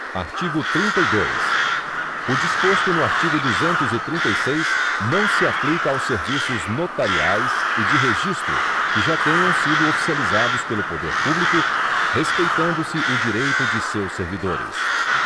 artigo trinta e dois o disposto no artigo duzentos e trinta e seis não se aplica aos serviços notariais e de registro que já tenham sido oficializados pelo poder público respeitando se o direito de seus servidores